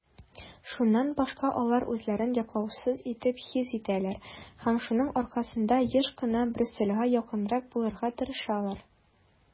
Шуннан башка алар үзләрен яклаусыз итеп хис итәләр һәм шуның аркасында еш кына Брюссельгә якынрак булырга тырышалар.